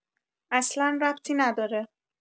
اصلا ربطی نداره.